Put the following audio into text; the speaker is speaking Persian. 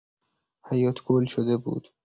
حیاط گل شده بود.